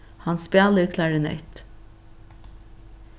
hann spælir klarinett